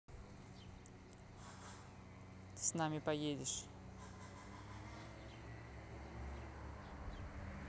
ты с нами поедешь